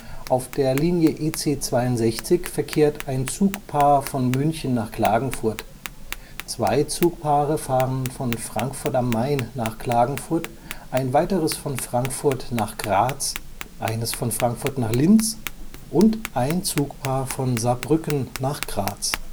Auf der Linie EC 62 verkehrt ein Zugpaar von München nach Klagenfurt, zwei Zugpaare fahren von Frankfurt am Main nach Klagenfurt, ein weiteres von Frankfurt nach Graz, eines von Frankfurt nach Linz und ein Zugpaar von Saarbrücken nach Graz